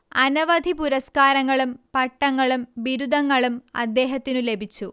അനവധി പുരസ്കാരങ്ങളും പട്ടങ്ങളും ബിരുദങ്ങളും അദ്ദേഹത്തിനു ലഭിച്ചു